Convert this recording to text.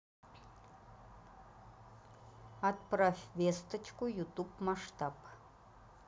отправь весточку youtube масштаб